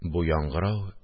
Бу яңгырау